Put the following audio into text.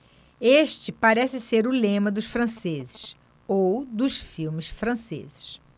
este parece ser o lema dos franceses ou dos filmes franceses